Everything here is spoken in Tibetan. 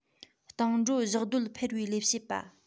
བཏང འགྲོ བཞག སྡོད འཕེར བའི ལས བྱེད པ